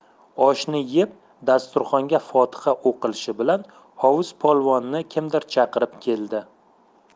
oshni yeb dasturxonga fotiha o'qilishi bilan hovuz polvonni kimdir chaqirib keldi